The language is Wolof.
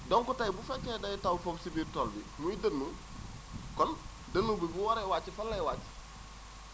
donc tey bu fekkee day taw foofu si biir tool bi muy dënnu kon dënnu bi bu waree wàcc fan lay wàcc